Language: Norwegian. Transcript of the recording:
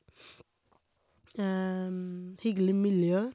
Hyggelig miljø.